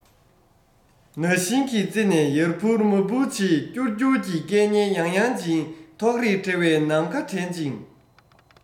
ན ཤིང གི རྩེ ནས ཡར འཕུར མར འཕུར བྱེད ཀྱུར ཀྱུར གྱི སྐད སྙན ཡང ཡང འབྱིན ཐོགས རེག བྲལ བའི ནམ མཁའ དྲན ཅིང